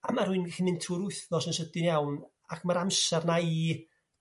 A ma' rywyn gallu mynd trwy'r wythnos yn sydyn iawn ac ma'r amser 'na i